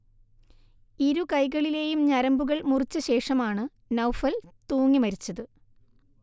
ഇരു കൈകളിലെയും ഞരമ്പുകൾ മുറിച്ചശേഷമാണ് നൗഫൽ തൂങ്ങിമരിച്ചത്